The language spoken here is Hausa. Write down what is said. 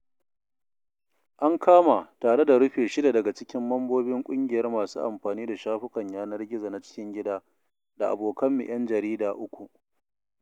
An kama tare da rufe shida daga cikin mambobin ƙungiyar masu amfani da shafukan yanar gizo na cikin gida da abokanmu 'yan jarida uku.